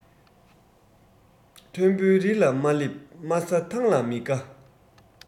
མཐོན པོའི རི ལ མ སླེབས དམའ ས ཐང ལ མི དགའ